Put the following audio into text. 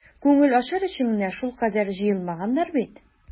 Күңел ачар өчен генә шулкадәр җыелмаганнар бит.